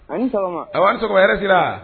A ni aw an sɔrɔ hɛrɛ sera